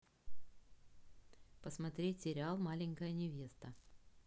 посмотреть сериал маленькая невеста